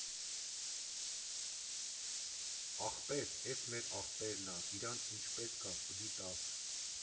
Ախպեր, էս մեր ախպերն ա, իրան ինչ պետք ա, պդի տաս։